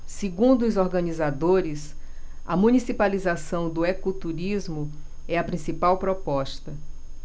segundo os organizadores a municipalização do ecoturismo é a principal proposta